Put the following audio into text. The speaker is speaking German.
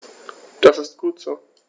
Das ist gut so.